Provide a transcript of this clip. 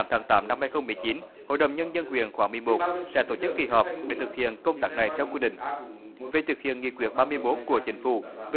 tháng tám năm hai không mười chín hội đồng nhân dân quyền khóa mỹ độ sẽ tổ chức kỳ họp để thực hiện công tác này theo quy định về thực hiện nghị quyết ba mươi bốn của chính phủ